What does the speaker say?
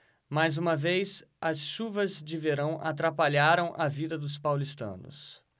mais uma vez as chuvas de verão atrapalharam a vida dos paulistanos